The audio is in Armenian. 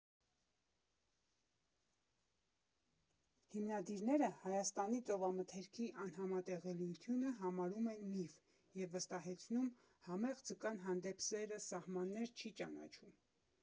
Հիմնադիրները Հայաստանի և ծովամթերքի անհամատեղելիությունը համարում են միֆ և վստահեցնում՝ համեղ ձկան հանդեպ սերը սահմաններ չի ճանաչում։